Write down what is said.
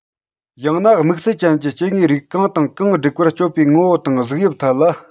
ཡང ན དམིགས བསལ ཅན གྱི སྐྱེ དངོས རིགས གང དང གང བསྒྲིག པར སྤྱོད པའི ངོ བོ དང གཟུགས དབྱིབས ཐད ལ